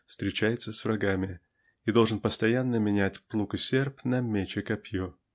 встречается с врагами и должен постоянно менять плуг и серп на меч и копье.